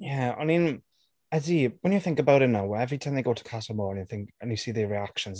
Yeah, I mean, ydy. When you think about it now, every time they go to Casa Amor, and you think, and you see their reactions...